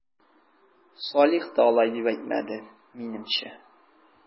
Салих та алай дип әйтмәде, минемчә...